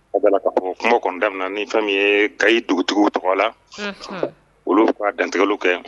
A bala k'a fɔ kungo kɔnɔnadamin ni fɛn ye ka ɲi dugutigi tɔgɔ la olu k'a dantigɛlaw kɛ